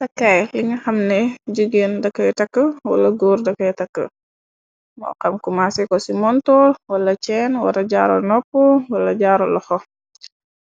Takkaay yii nga xamneh jigeen dakay takk wala góor dakay takk, moo xam kor maase ko ci montorre wala cehnn wala jaarou nopu wala jaaro loxo,